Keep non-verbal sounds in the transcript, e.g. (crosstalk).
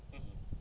(hesitation) (hesitation)